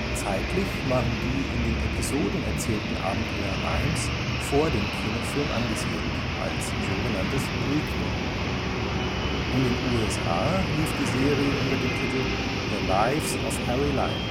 Zeitlich waren die in den Episoden erzählten Abenteuer Limes’ vor dem Kinofilm angesiedelt („ Prequel “). In den USA lief die Serie unter dem Titel The Lives of Harry Lime